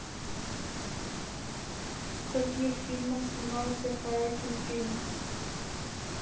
в каких фильмах снимался хоакин феникс